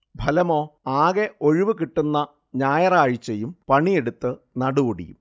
ഫലമോ ആകെ ഒഴിവുകിട്ടുന്ന ഞായറാഴ്ചയും പണിയെടുത്ത് നടുവൊടിയും